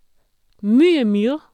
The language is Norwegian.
Mye myr.